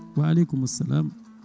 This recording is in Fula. wa aleykumu salam